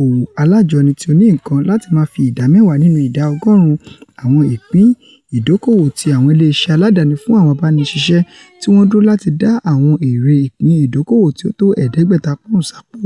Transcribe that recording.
Owó Alájọni ti Oníǹkan lati máa fi ìdá mẹ́wàá nínú ìdá ọgọ́ọ̀rún àwọn ìpìn ìdóòkòwò ti àwọn ilé iṣẹ́ aláàdáni fún àwọn abániṣiṣẹ́, ti wọn duro láti da àwọn èrè ìpìn ìdóòkòwò tí ó tó ẹ̀ẹ́dẹ́gbẹ̀ta pọ́ùn sápo.